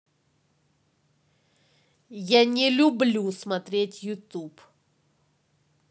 я не люблю смотреть youtube